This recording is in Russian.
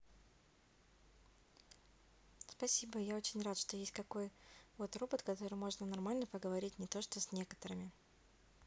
спасибо я очень рад что есть какой вот робот который можно нормально поговорить не то что с некоторыми